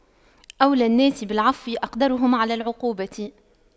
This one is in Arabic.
أولى الناس بالعفو أقدرهم على العقوبة